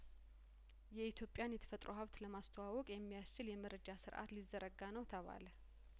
የኢትዮጵያን የተፈጥሮ ሀብት ለማስተዋወቅ የሚያስችል የመረጃ ስርአት ሊዘረጋነው ተባለ